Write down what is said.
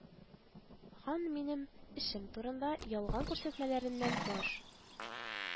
Ган минем «эше»м турындагы ялган күрсәтмәләреннән баш